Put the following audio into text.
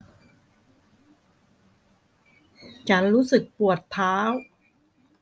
ฉันรู้สึกปวดเท้า